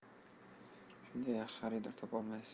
shundan yaxshi xaridor topolmaysiz